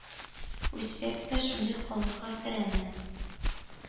Үзбәк тә шундый халыкка керәме?